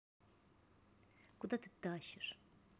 куда ты тащишь